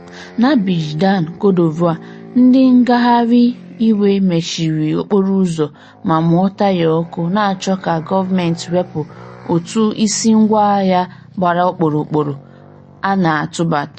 N'Abidjan, Cote d'Ivoire, ndị ngagharị iwe mechiri okporo ụzọ ma mụọ taya ọkụ, na-achọ ka gọọmentị wepụ ụtọ ịsị ngwa ahịa gbara ọkpọrụkpụ a na-atụbata.